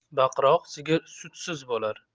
baqiroq sigir sutsiz bo'lar